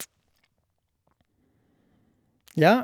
Ja.